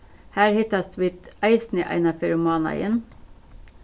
har hittast vit eisini eina ferð um mánaðin